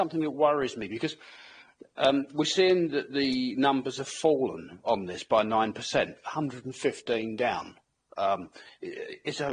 something that worries me because we've seen the numbers have fallen on this by nine percent, hundred and fifteen down.